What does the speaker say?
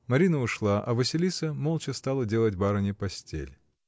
Марина ушла, а Василиса молча стала делать барыне постель.